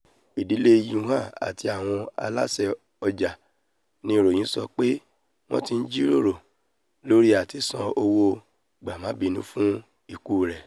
Ìdíle Yuan àti àwọn aláṣẹ ọjà ni ìròyìn sọ pé wọn ti ńjíròrò lórí àti san owó gbà-maá-bínu fún ikú rẹ̀.